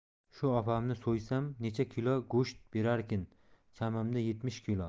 shu opamni so'ysam necha kilo go'sht berarkin chamamda yetmish kilo